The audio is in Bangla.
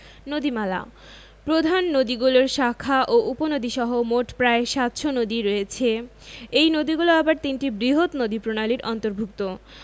নদীমালাঃ প্রধান নদীগুলোর শাখা ও উপনদীসহ মোট প্রায় ৭০০ নদী রয়েছে এই নদীগুলো আবার তিনটি বৃহৎ নদীপ্রণালীর অন্তর্ভুক্ত